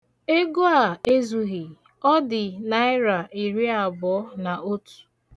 Ego a ezughị, ọ dị naịra iriabụọ na otu.